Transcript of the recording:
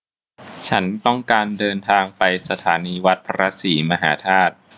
ฉันต้องการเดินทางไปสถานีวัดพระศรีมหาธาตุ